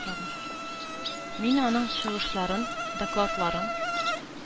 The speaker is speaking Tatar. Мин аның чыгышларын, докладларын,